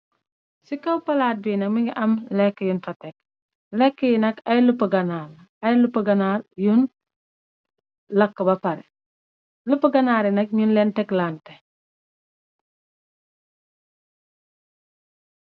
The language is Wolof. Ci kaw palaat bii nak mi ngi am lekk yun totek. Lekk yi nak ay luppa gannal ay lup ganar yun lakk ba pare luppa ganaari nak ñun leen tek lanté.